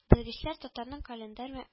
Белгечләр татарның календарьмә